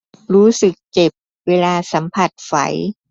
รู้สึกเจ็บเวลาสัมผัสไฝ